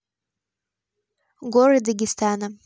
горы дагестана